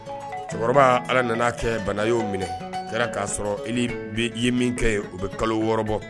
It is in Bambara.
Cɛkɔrɔba Ala nana kɛ bana yo minɛ o kɛra ka sɔrɔ i ye min kɛ o bi kalo 6 bɔ.